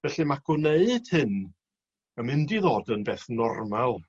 Felly ma' gwneud hyn yn mynd i ddod yn beth normal